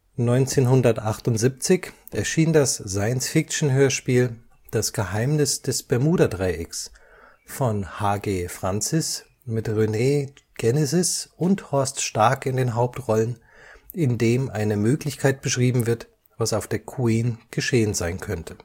1978 erschien das Science-Fiction-Hörspiel Das Geheimnis des Bermuda-Dreiecks von H.G. Francis mit René Genesis und Horst Stark in den Hauptrollen, in dem eine Möglichkeit beschrieben wird, was auf der Queen geschehen sein könnte